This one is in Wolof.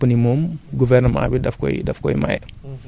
boo bëggee jënd dinañ la ko jaay nga dem def ko sa tool